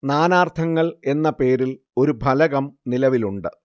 നാനാർത്ഥങ്ങൾ എന്ന പേരിൽ ഒരു ഫലകം നിലവിലുണ്ട്